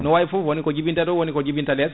no way foof wonko jibinta dow wonko jibita less